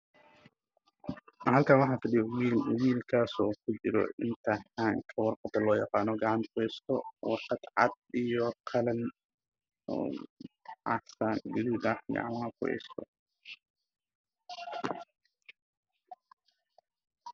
Waxaa fadhiya wiil waxa uu akhrisanayaa cashir